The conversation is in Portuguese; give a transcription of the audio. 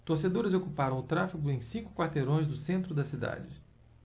torcedores ocuparam o tráfego em cinco quarteirões do centro da cidade